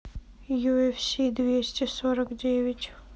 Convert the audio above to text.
юэфси двести сорок девять